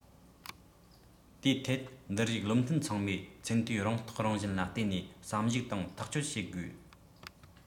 དེའི ཐད འདིར བཞུགས བློ མཐུན ཚང མས ཚད མཐོའི རང རྟོགས རང བཞིན ལ བརྟེན ནས བསམ གཞིགས དང ཐག གཅོད བྱེད དགོས